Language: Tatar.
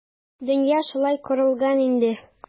Дөнья шулай корылган инде.